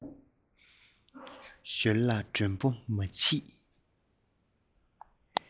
ཞོལ ལ མགྲོན པོ མ མཆིས